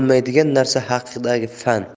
bo'lmaydigan narsa haqidagi fan